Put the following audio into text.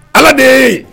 Ala de ye